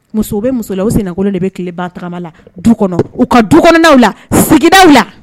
Muso bɛ musola u sinakolo de bɛ tile baurama la du kɔnɔ u ka du la sigida la